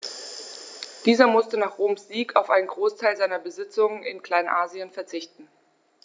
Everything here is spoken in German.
Dieser musste nach Roms Sieg auf einen Großteil seiner Besitzungen in Kleinasien verzichten.